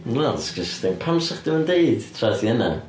Ma hynna'n disgusting. Pam 'secg chdi'm yn deud tra ti yna?